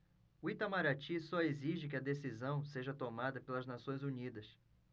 o itamaraty só exige que a decisão seja tomada pelas nações unidas